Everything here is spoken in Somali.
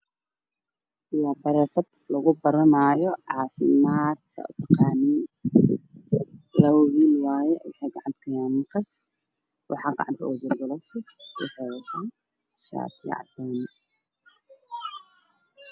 Waa bareefad lagu baranaayo caafimaad waxaa taagan laba wiil mid wuxuu wata shati qaxwi ah mid wuxuu wata dhacdadaan dharka dhakhtarka mise ayuu hoos yaalla